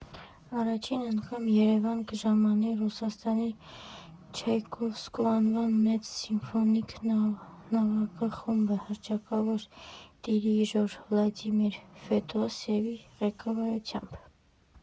Առաջին անգամ Երևան կժամանի Ռուսաստանի Չայկովսկու անվան մեծ սիմֆոնիկ նվագախումբը՝ հռչակավոր դիրիժոր Վլադիմիր Ֆեդոսեևի ղեկավարությամբ։